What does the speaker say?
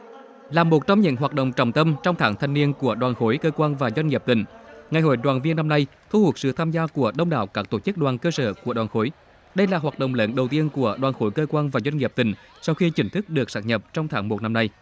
là một trong những hoạt động trọng tâm trong tháng thanh niên của đoàn khối cơ quan và doanh nghiệp tỉnh ngày hội đoàn viên năm nay thu hút sự tham gia của đông đảo các tổ chức đoàn cơ sở của đoàn khối đây là hoạt động lần đầu tiên của đoàn khối cơ quan và doanh nghiệp tỉnh sau khi chính thức được sáp nhập trong tháng một năm nay